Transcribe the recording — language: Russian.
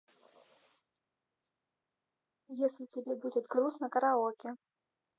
если тебе будет грустно караоке